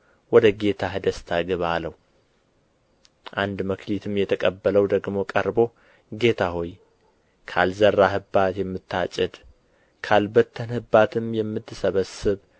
ወደ ጌታህ ደስታ ግባ አለው አንድ መክሊትም የተቀበለው ደግሞ ቀርቦ ጌታ ሆይ ካልዘራህባት የምታጭድ ካልበተንህባትም የምትሰበስብ